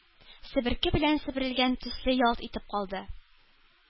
Себерке белән себерелгән төсле, ялт итеп калды.